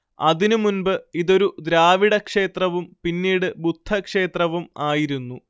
അതിനുമുൻപ് ഇതൊരു ദ്രാവിഡക്ഷേത്രവും പിന്നീട് ബുദ്ധക്ഷേത്രവും ആയിരുന്നു